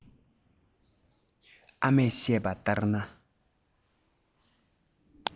ཨ མས བཤད པ ལྟར ན